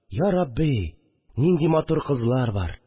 Йа Рабби, нинди матур кызлар бар